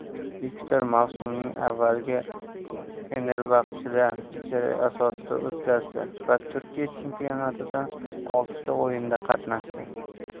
viktor mavsumning avvalini fenerbaxche da ijara asosida o'tkazdi va turkiya chempionatida oltita o'yinda qatnashdi